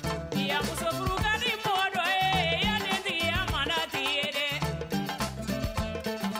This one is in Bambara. Miniyanmuso ni mɔgɔdo ye yatigiya ma la tile